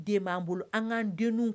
Den b'an bolo an kaan denw